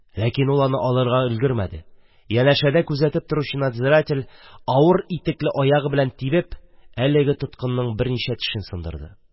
Ләкин ул аны алырга өлгермәде, янәшәдә күзәтеп торучы надзиратель авыр итекле аягы белән тибеп, әлеге тоткынның берничә тешен сындырды.